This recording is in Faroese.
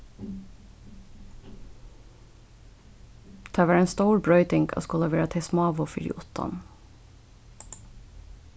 tað var ein stór broyting at skula vera tey smáu fyri uttan